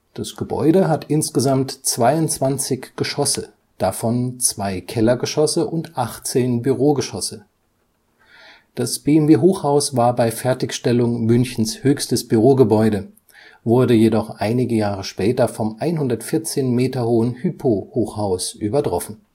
Das Gebäude hat insgesamt 22 Geschosse, davon zwei Kellergeschosse und 18 Bürogeschosse. Das BMW-Hochhaus war bei Fertigstellung Münchens höchstes Bürogebäude, wurde jedoch einige Jahre später vom 114 Meter hohen Hypo-Hochhaus übertroffen